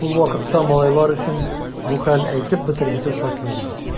Ул вакытта малайлар өчен бу хәл әйтеп бетергесез шатлык иде.